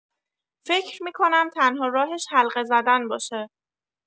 فکر می‌کنم تنها راهش حلقه زدن باشه.